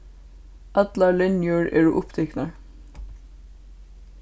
allar linjur eru upptiknar